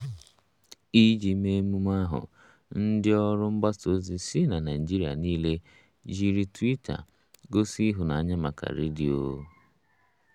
Iji mee emume ahụ, ndị ọrụ mgbasa ozi si na Naịjirịa niile jiri Twitter gosi ịhụnanya maka redio: